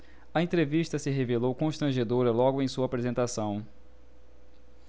a entrevista se revelou constrangedora logo em sua apresentação